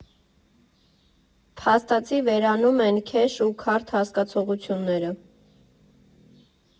Փաստացի վերանում են քեշ ու քարտ հասկացությունները։